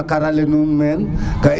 a kara re nuun meen